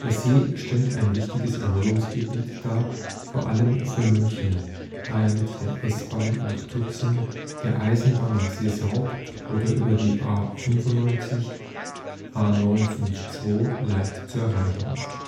See stellt ein wichtiges Erholungsgebiet dar, vor allem für Münchener, da er mit der S-Bahn nach Tutzing, der Eisenbahn nach Seeshaupt oder über die A 95 / A 952 leicht zu erreichen ist